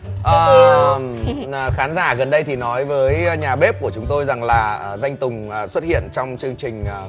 à à khán giả gần đây thì nói với nhà bếp của chúng tôi rằng là danh tùng xuất hiện trong chương trình à